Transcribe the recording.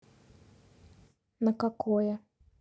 на какое